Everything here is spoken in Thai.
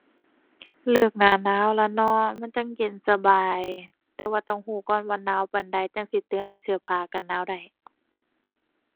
เลือกหน้าหนาวละเนาะ มันจั่งเย็นสบาย แต่ว่าต้องรู้ก่อนว่าหนาวปานใด จั่งสิเตรียมเสื้อผ้ากันหนาวได้